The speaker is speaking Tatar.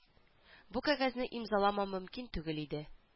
Бу кәгазне имзаламау мөмкин түгел иде